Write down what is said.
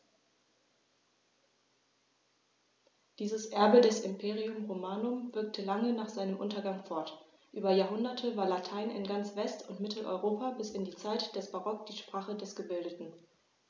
Dieses Erbe des Imperium Romanum wirkte lange nach seinem Untergang fort: Über Jahrhunderte war Latein in ganz West- und Mitteleuropa bis in die Zeit des Barock die Sprache der Gebildeten.